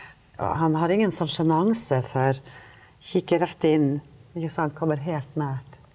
og han har ingen sånn sjenanse for kikke rett inn ikke sant, kommer helt nært.